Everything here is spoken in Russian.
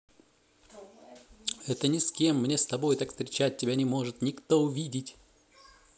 это не с кем мне с тобой так встречать тебя не может никто увидеть